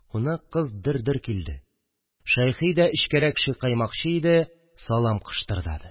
Кунак кыз дер-дер килде Шәйхи дә эчкәрәк шыкаймакчы иде – салам кыштырдады